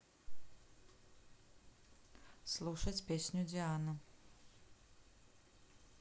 слушать песню диана